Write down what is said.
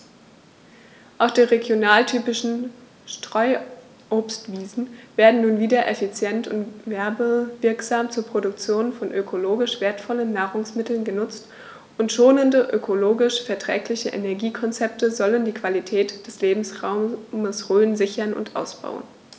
Auch die regionaltypischen Streuobstwiesen werden nun wieder effizient und werbewirksam zur Produktion von ökologisch wertvollen Nahrungsmitteln genutzt, und schonende, ökologisch verträgliche Energiekonzepte sollen die Qualität des Lebensraumes Rhön sichern und ausbauen.